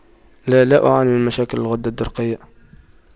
لا لا أعاني من مشاكل الغدة الدرقية